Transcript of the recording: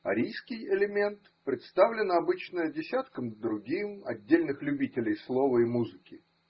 Арийский элемент представлен обычно десятком-другим отдельных любителей слова и музыки